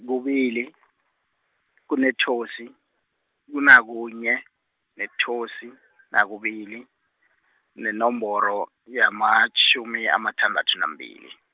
kubili , ku nethosi, kuna kunye, nethosi, nakubili, nenomboro, yamatjhumi, amathandathu nambili.